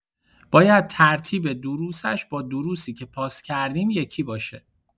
باید ترتیب دروسش با دروسی که پاس کردیم یکی باشه؟